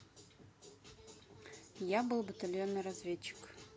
я был батальонный разведчик